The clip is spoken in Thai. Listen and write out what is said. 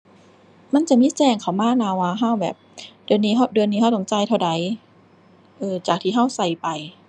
มันจะมีแจ้งเข้ามานะว่าเราแบบ เดือนนี้เรา เดือนนี้เราต้องจ่ายเท่าใด เอ้อ จากที่เราเราไป